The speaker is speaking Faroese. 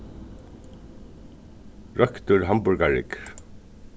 royktur hamburgarryggur